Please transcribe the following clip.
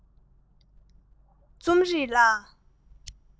རྩོམ རིག ལ